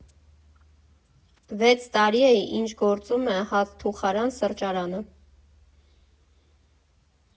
Վեց տարի է, ինչ գործում է հացթուխարան֊սրճարանը։